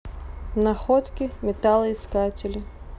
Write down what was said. находки металоискателя